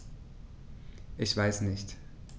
Ich weiß nicht.